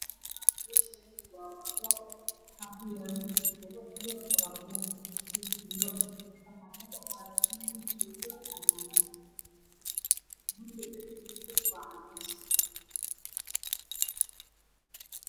Meeshaani waa wado waxaa kuyaala jiingado iyo dabaqyo iyo fillo. Waxaa kabaxaayo geedo cagaaran, guriga darbigiise waa cadeys.